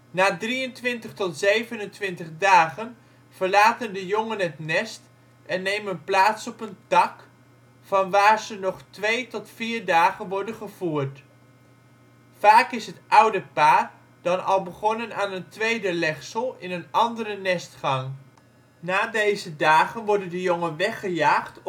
Na 23 tot 27 dagen verlaten de jongen het nest en nemen plaats op een tak, vanwaar ze nog twee tot vier dagen worden gevoerd. Vaak is het ouderpaar dan al begonnen aan een tweede legsel, in een andere nestgang. Na deze dagen worden de jongen weggejaagd